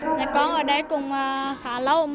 mẹ con ở đây cũng a khá lâu